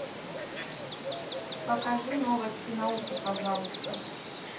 покажи новости науки пожалуйста